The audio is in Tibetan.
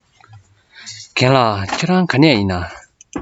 རྒན ལགས ཁྱེད རང ག ནས ཡིན ན